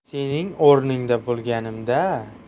sening o'rningda bo'lganimda